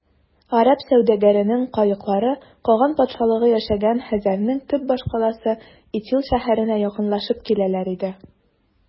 Гарәп сәүдәгәренең каеклары каган патшалыгы яшәгән хәзәрнең төп башкаласы Итил шәһәренә якынлашып киләләр иде.